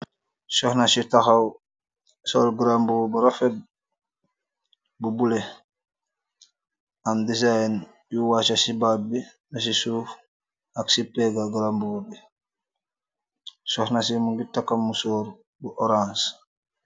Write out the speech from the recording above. Soxna si taaw, sol grambuba bu rafet bu bulo, am design yu waaca ci baat bi ak ci suuf ak ci pega gramboor bi. Soxnasi mu ngi taka musóor bu oranc.